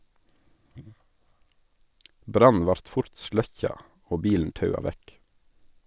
Brannen vart fort sløkkja og bilen taua vekk.